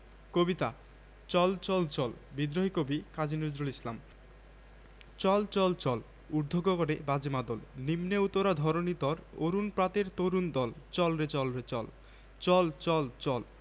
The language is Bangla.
এর আগে গত নভেম্বর মাসে মিয়ানমার বাহিনী রোহিঙ্গাদের হত্যা ধর্ষণ নির্যাতন তো দূরের কথা কোনো ধরনের অন্যায় আচরণ করার অভিযোগও নাকচ করে